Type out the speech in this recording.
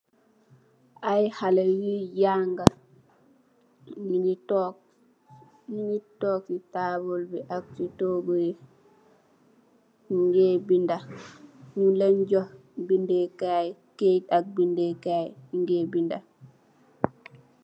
Ay xaleh yui janga nyugi tog si tabul bi ak si togu si nyu geh binda nyun len joh bendeh kai keyt ak benda kay newgeh benda.